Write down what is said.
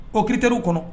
O critère kɔnɔ